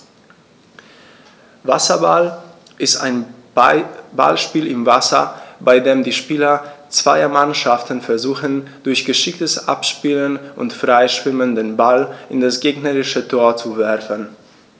Wasserball ist ein Ballspiel im Wasser, bei dem die Spieler zweier Mannschaften versuchen, durch geschicktes Abspielen und Freischwimmen den Ball in das gegnerische Tor zu werfen.